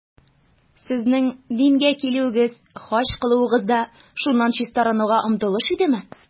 Сезнең дингә килүегез, хаҗ кылуыгыз да шуннан чистарынуга омтылыш идеме?